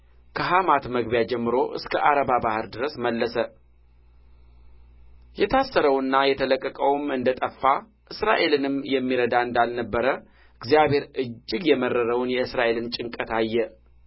ከሐማት መግቢያ ጀምሮ እስከ ዓረባ ባሕር ድረስ መለሰ የታሰረውና የተለቀቀውም እንደ ጠፋ እስራኤልንም የሚረዳ እንዳልነበረ እግዚአብሔር እጅግ የመረረውን የእስራኤልን ጭንቀት አየ